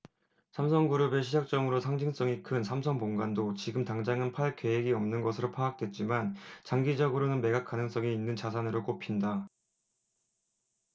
삼성그룹의 시작점으로 상징성이 큰 삼성본관도 지금 당장은 팔 계획이 없는 것으로 파악됐지만 장기적으로는 매각 가능성이 있는 자산으로 꼽힌다